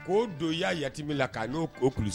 K'o don yaa yatiim la k'a n'o